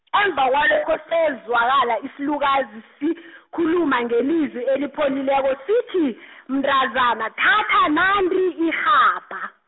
emva kwalokho sezwakala isilukazi sikhuluma ngelizwi elipholileko sithi , mntazana thatha nanti irhabha.